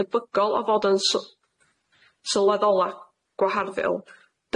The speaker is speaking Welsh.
debygol o fod yn syl- sylweddola' gwaharddiol.